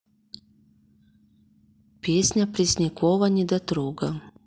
песня преснякова недотрога